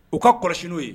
U ka kɔlɔsisi n'u ye